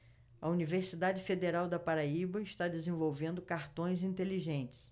a universidade federal da paraíba está desenvolvendo cartões inteligentes